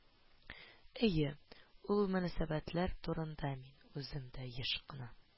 Әйе, ул мөнәсәбәтләр турында мин үзем дә еш кына